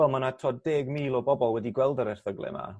wel ma' 'na t'od deg mil o bobol wedi gweld yr erthygle 'ma